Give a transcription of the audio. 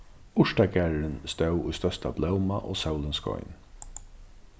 urtagarðurin stóð í størsta blóma og sólin skein